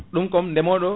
ɗum kom ndeemoɗo